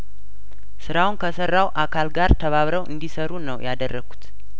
ስራውን ከሰራው አካል ጋር ተባብረው እንዲሰሩ ነው ያደረኩት